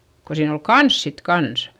kun siinä oli kanssa sitten kanssa